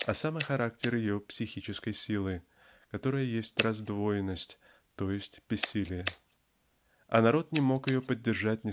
а самый характер ее психической силы которая есть раздвоенность то есть бессилие а народ не мог ее поддержать